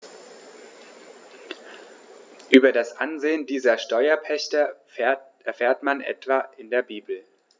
Über das Ansehen dieser Steuerpächter erfährt man etwa in der Bibel.